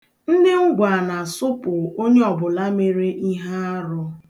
Ndị Ngwa na-asụpụ onye ọbụla mere ihe arụ.